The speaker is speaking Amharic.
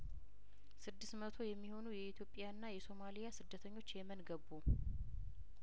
ስድስት መቶ የሚሆኑ የኢትዮጵያ ና የሶማሊያ ስደተኞች የመንገቡ